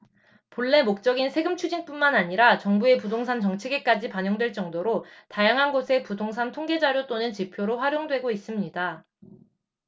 본래 목적인 세금추징뿐만 아니라 정부의 부동산 정책에까지 반영될 정도로 다양한 곳에 부동산 통계자료 또는 지표로 활용되고 있습니다